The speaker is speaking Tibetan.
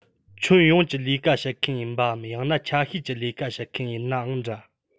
ཁྱོན ཡོངས ཀྱི ལས ཀ བྱེད མཁན ཡིན པའམ ཡང ན ཆ ཤས ཀྱི ལས ཀ བྱེད མཁན ཡིན ནའང འདྲ